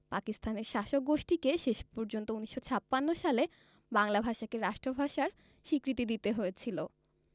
পাকিস্তানের শাসক গোষ্ঠীকে শেষ পর্যন্ত ১৯৫৬ সালে বাংলা ভাষাকে রাষ্ট্রভাষার স্বীকৃতি দিতে হয়েছিল